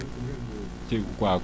Kougnheul mooy ci waaw